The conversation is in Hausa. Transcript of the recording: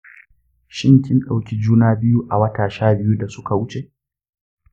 shin kin dauki juna biyu a wata sha biyu da suka wuce?